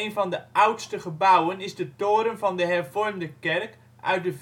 van de oudste gebouwen is de toren van de Hervormde Kerk uit de